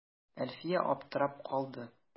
Әлфия аптырап калды.